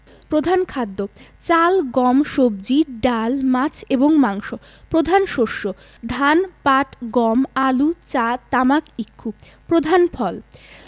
প্রধান খাদ্যঃ চাল গম সবজি ডাল মাছ এবং মাংস প্রধান শস্যঃ ধান পাট গম আলু চা তামাক ইক্ষু প্রধান ফলঃ